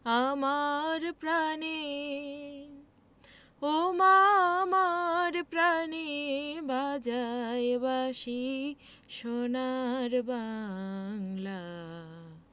আমার প্রাণে ও মা আমার প্রাণে বাজায় বাঁশি সোনার বাংলা